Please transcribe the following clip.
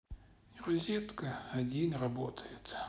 розетка один работает